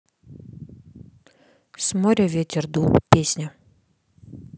с моря ветер дул песня